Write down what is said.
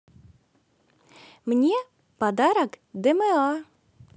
мне подарок дма